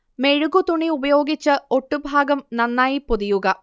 മെഴുകു തുണി ഉപയോഗിച്ച് ഒട്ടു ഭാഗം നന്നായി പൊതിയുക